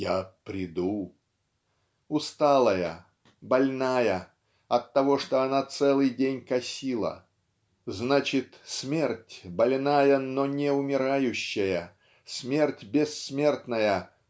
"я приду", -- усталая, больная, оттого что она целый день косила значит смерть больная но не умирающая смерть бессмертная